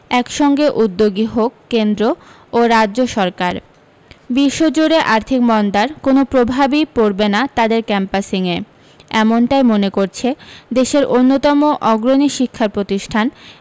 একসঙ্গে উদ্যোগী হোক কেন্দ্র ও রাজ্য সরকার বিশ্বজুড়ে আর্থিক মন্দার কোনও প্রভাবই পড়বে না তাদের ক্যাম্পাসিংয়ে এমনটাই মনে করছে দেশের অন্যতম অগ্রণী শিক্ষা প্রতিষ্ঠান